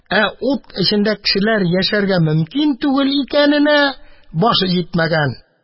Ә ут эчендә кешеләр яшәргә мөмкин түгел икәненә башы җитмәгән